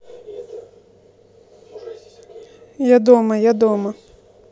я дома я дома